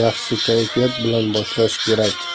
yaxshi kayfiyat bilan boshlash kerak